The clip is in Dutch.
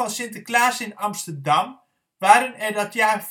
Sinterklaas in Amsterdam waren er dat jaar